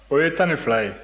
o ye tan ni fila ye